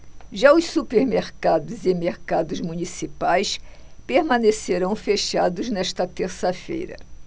já os supermercados e mercados municipais permanecerão fechados nesta terça-feira